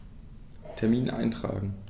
Termin eintragen